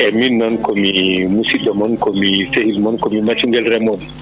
eeyi min noon ko mi musiɗɗo mon ko mi sehil mon ko mi maccungel remooɓe